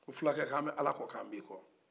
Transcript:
ko fulacɛ ko an bɛ ala kɔ k'an b'i kɔ